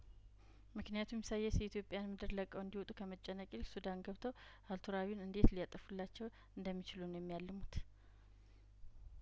ምክንያቱም ኢሳያስ የኢትዮጵያን ምድር ለቀው እንዲወጡ ከመጨነቅ ይልቅ ሱዳን ገብተው አልቱራቢን እንዴት ሊያጠፉላቸው እንደሚችሉ ነው የሚያልሙት